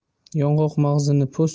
yong'oq mag'zini po'st